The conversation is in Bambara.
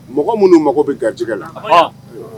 Mɔgɔ munun mago bi garijɛgɛ la ɔnhɔn